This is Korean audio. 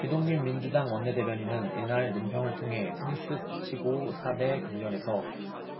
기동민 민주당 원내대변인은 이날 논평을 통해 테니스 치고 사 대 강변에서